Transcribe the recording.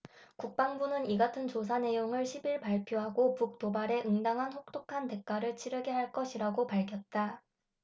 국방부는 이 같은 조사내용을 십 일 발표하고 북 도발에 응당한 혹독한 대가를 치르게 할 것이라고 밝혔다